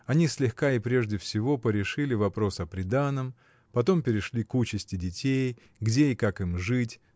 Они слегка и прежде всего порешили вопрос о приданом, потом перешли к участи детей, где и как им жить